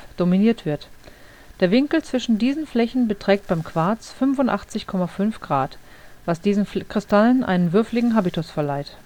dominiert wird. Der Winkel zwischen diesen Flächen beträgt beim Quarz 85,5°, was diesen Kristallen einen würfeligen Habitus verleiht